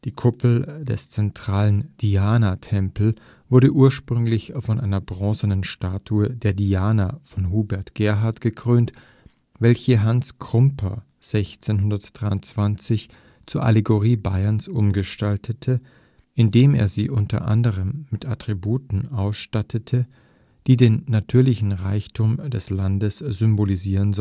Kuppel des zentralen „ Dianatempels “wurde ursprünglich von einer bronzenen Statue der Diana von Hubert Gerhard gekrönt, welche Hans Krumpper 1623 zur Allegorie Bayerns umgestaltete, indem er sie unter anderem mit Attributen ausstattete, die den natürlichen Reichtum des Landes symbolisieren